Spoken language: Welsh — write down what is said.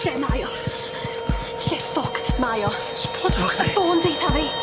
Lle mae o? Lle ffwc mae o? Be' sy'n bod arnoch chdi> Y ffôn deutha fi!